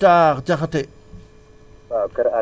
Makhtar Diakhaté